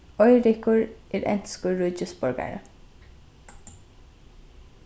eirikur er enskur ríkisborgari